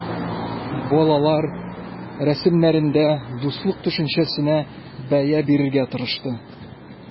Балалар рәсемнәрендә дуслык төшенчәсенә бәя бирергә тырышты.